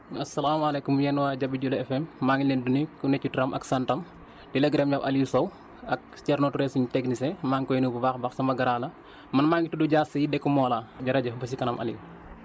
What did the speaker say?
asalaamaaleykum yéen waa Jabi jula FM maa ngi leen di nuyu ku ne ci turam ak santam di la gërëm yow Aliou Sow ak Thierno Touré suén technicien maa ngi koy nuyu bu baax a baax sama grand la man maa ngi tudd Dia y dëkk Mawla jërëjëf ba si kanam Aliou